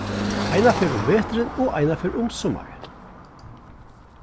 eina ferð um veturin og eina ferð um summarið